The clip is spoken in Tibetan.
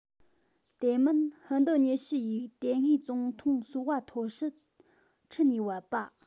དེ མིན ཧིན རྡུ ཉི ཞི ཡའི དེ སྔའི ཙུང ཐུང སུའུ ཧ ཐོ སྲིད ཁྲི ནས བབས པ